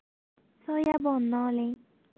soyabonni oling